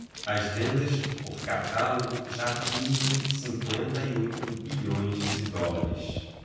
as vendas por catálogo já atingem cinquenta e oito bilhões de dólares